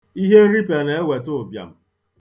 Ihenripịa na-eweta ụbịam.